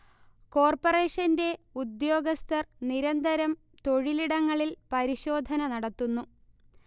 കോർപറേഷന്റെ ഉദ്യോഗസ്ഥർ നിരന്തരം തൊഴിലിടങ്ങളിൽ പരിശോധന നടത്തുന്നു